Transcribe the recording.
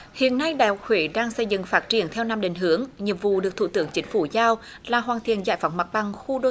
hiện nay đại học huế đang xây dựng phát triển theo năm định hướng nhiệm vụ được thủ tướng chính phủ giao là hoàn thiện giải phóng mặt bằng khu đô